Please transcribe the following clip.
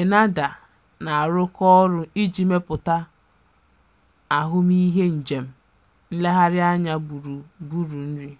ENNAHDA na-arụkọ ọrụ iji mepụta ahụmihe njem nlegharịanya gburugburu nri.